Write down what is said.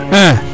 axa